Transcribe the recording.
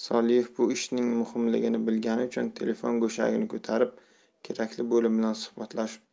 soliev bu ishning muhimligini bilgani uchun telefon go'shagini ko'tarib kerakli bo'lim bilan suhbatlashib